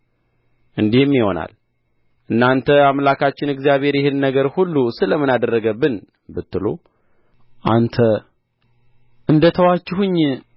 እንዲህም ይሆናል እናንተ አምላካችን እግዚአብሔር ይህን ነገር ሁሉ ስለምን አደረገብን ብትሉ አንተ እንደ ተዋችሁኝ